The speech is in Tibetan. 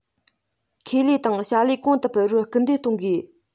ཁེ ལས དང བྱ ལས གོང དུ འཕེལ བར སྐུལ འདེད གཏོང དགོས